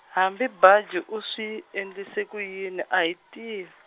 hambi Baji u swi endlise ku yini a hi ti-.